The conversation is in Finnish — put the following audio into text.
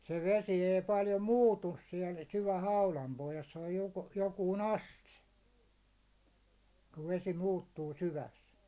se vesi ei paljon muutu siellä syvän haudan pohjassa se on - joku aste kun vesi muuttuu syvässä